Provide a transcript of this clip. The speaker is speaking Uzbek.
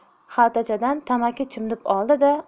xaltachadan tamaki chimdib oldi da